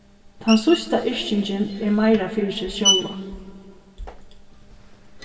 tann síðsta yrkingin er meira fyri seg sjálva